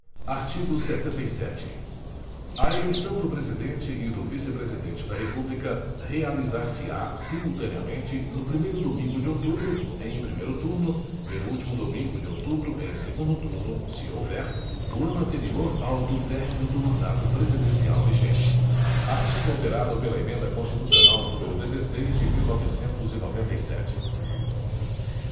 artigo setenta e sete a eleição do presidente e do vice presidente da república realizar se á simultaneamente no primeiro domingo de outubro em primeiro turno e no último domingo de outubro em segundo turno se houver do ano anterior ao do término do mandato presidencial vigente artigo alterado pela emenda constitucional número dezesseis de mil novecentos e noventa e sete